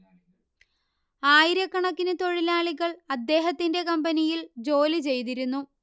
ആയിരക്കണക്കിനു തൊഴിലാളികൾ അദ്ദേഹത്തിന്റെ കമ്പനിയിൽ ജോലി ചെയ്തിരുന്നു